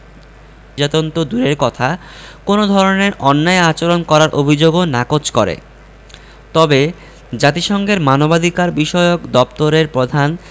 নির্যাতন তো দূরের কথা কোনো ধরনের অন্যায় আচরণ করার অভিযোগও নাকচ করে তবে জাতিসংঘের মানবাধিকারবিষয়ক দপ্তরের প্রধান